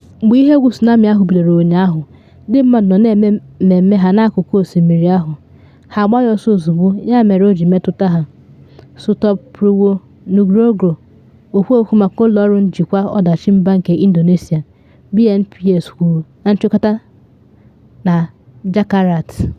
“Mgbe ihe egwu tsunami ahụ bidoro ụnyahụ, ndị mmadụ nọ na eme mmemme ha n’akụkụ osimiri ahụ, ha agbaghị ọsọ ozugbo, ya mere o ji metụta ha,” Sutopo Purwo Nugrogo, okwu okwu maka ụlọ ọrụ njikwa ọdachi mba nke Indonesia BNPS kwuru na nchịkọta na Jakarta.